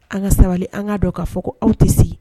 An ka sabali an ka dɔn k'a fɔ ko aw te se